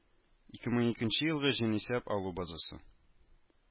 Ике мең икенче елгы җанисәп алу базасы